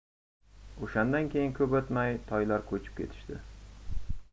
o'shandan keyin ko'p o'tmay toylar ko'chib ketishdi